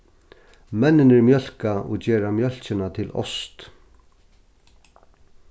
menninir mjólka og gera mjólkina til ost